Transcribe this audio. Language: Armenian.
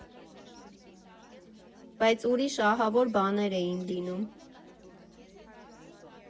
Բայց ուրիշ ահավոր բաներ էին լինում։